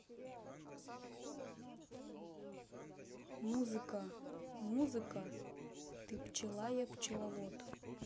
музыка музыка ты пчела я пчеловод